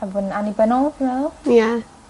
Fel bod yn annibynnol fi me'wl. Ie.